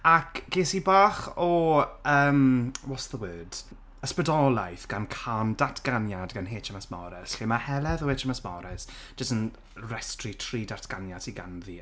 Ac ges i bach o yym what's the word, ysbrydoliaeth gan cân Datganiad gan HMS Morris lle mae Heledd o HMS Morris jyst yn restru tri datganiad sydd ganddi.